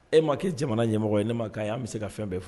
E ma k'i jamana ɲɛmɔgɔ ne ma k'a y' bɛ se ka fɛn bɛɛ fɔ